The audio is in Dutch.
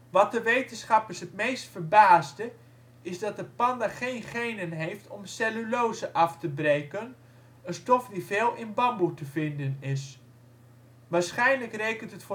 Wat de wetenschappers het meest verbaasde, is dat de panda geen genen heeft om cellulose af te breken, een stof die veel in bamboe te vinden is. Waarschijnlijk rekent